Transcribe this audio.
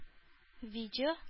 Видео